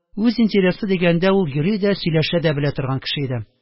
Үз интересы дигәндә, ул – йөри дә, сөйләшә дә белә торган кеше